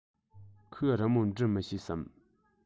ཁོས རི མོ འབྲི མི ཤེས སམ